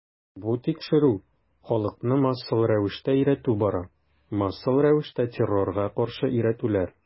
Бу тикшерү, халыкны массалы рәвештә өйрәтү бара, массалы рәвештә террорга каршы өйрәтүләр.